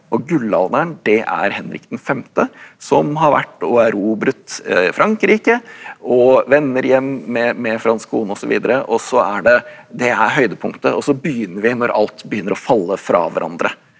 og gullalderen det er Henrik den femte som har vært og erobret Frankrike og vender hjem med med fransk kone osv. og så er det det er høydepunktet og så begynner vi når alt begynner å falle fra hverandre.